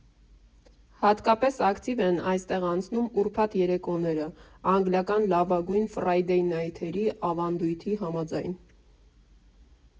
Հատկապես ակտիվ են այստեղ անցնում ուրբաթ երեկոները՝ անգլիական լավագույն ֆրայդեյնայթերի ավանդույթի համաձայն։